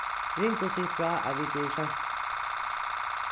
ring og sig frá at vit eru seinkað